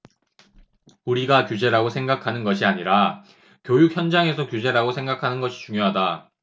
우리가 규제라고 생각하는 것이 아니라 교육 현장에서 규제라고 생각하는 것이 중요하다